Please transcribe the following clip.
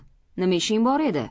nima ishing bor edi